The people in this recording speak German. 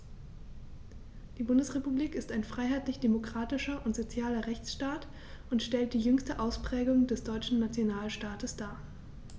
Die Bundesrepublik ist ein freiheitlich-demokratischer und sozialer Rechtsstaat und stellt die jüngste Ausprägung des deutschen Nationalstaates dar.